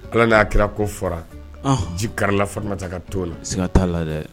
Ala y'a kira ko fara ji karila faramata ka to la sin ka t'a la dɛ